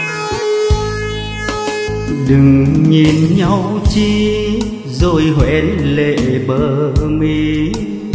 đừng nhìn nhau chi rồi hoen lệ bờ mi